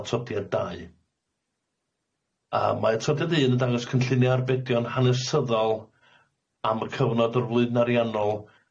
atodiad dau. A mae atodiad un yn dangos cynllunie arbedion hanesyddol am y cyfnod o'r flwyddyn ariannol